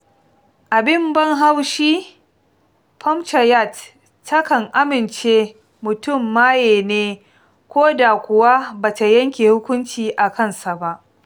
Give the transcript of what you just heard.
Abin ban haushi, Panchayat ta kan amince mutum maye ne ko da kuwa ba ta yanke hukunci a kan sa ba.